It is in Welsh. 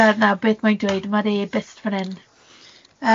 'Na'i gweld nawr beth mae'n dweud, ma'r ebyst fan hyn.